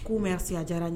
K'u mɛn a si diyara n ɲɛ